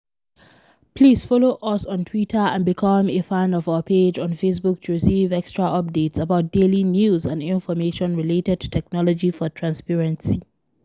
Please follow us on Twitter and become a fan of our page on Facebook to receive extra updates about daily news and information related to technology for transparency.